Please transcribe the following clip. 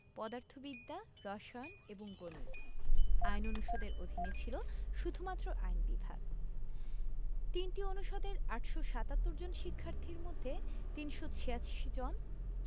পদার্থবিদ্যা রসায়ন এবং গণিত আইন অনুষদের অধীনে ছিল শুধুমাত্র আইন বিভাগ ৩টি অনুষদের ৮৭৭ জন শিক্ষার্থীর মধ্যে ৩৮৬ জন